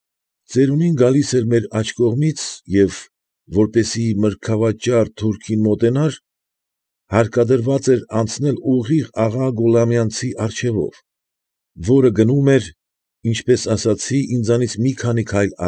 Ծերունին գալիս էր մեր աջ կողմից և, որպեսզի մրգավաճառ թուրքին մոտենար, հարկադրված էր անցնել ուղիղ աղա Գուլամյանցի առջևով, որը գնում էր, ինչպես ասացի, ինձանից մի քանի քայլ։